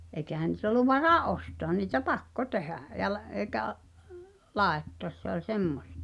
eikä niitä ollut varaa ostaa niin että pakko tehdä ja - eikä laittaa se oli semmoista